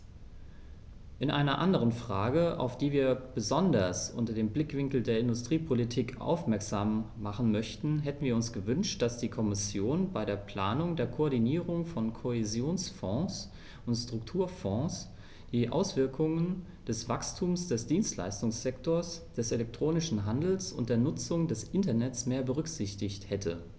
In einer anderen Frage, auf die wir besonders unter dem Blickwinkel der Industriepolitik aufmerksam machen möchten, hätten wir uns gewünscht, dass die Kommission bei der Planung der Koordinierung von Kohäsionsfonds und Strukturfonds die Auswirkungen des Wachstums des Dienstleistungssektors, des elektronischen Handels und der Nutzung des Internets mehr berücksichtigt hätte.